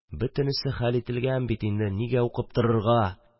«бөтенесе хәл ителгән бит инде, нигә укып торырга?